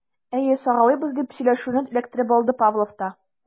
Әйе, сагалыйбыз, - дип сөйләшүне эләктереп алды Павлов та.